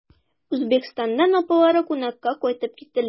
Үзбәкстаннан апалары кунакка кайтып киттеләр.